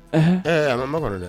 Ɛɛ a bɛ n makɔnɔ dɛ